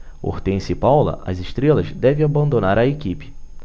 hortência e paula as estrelas devem abandonar a equipe